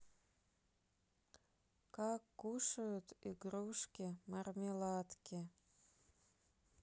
как кушают игрушки мармеладки